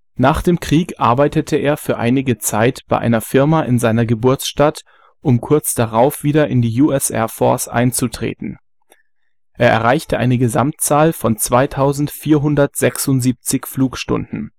Nach dem Krieg arbeitete er für einige Zeit bei einer Firma in seiner Geburtsstadt, um kurz darauf wieder in die USAF einzutreten. Er erreichte eine Gesamtzahl von 2476 Flugstunden